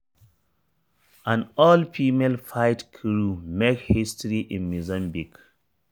An all-female flight crew makes history in Mozambique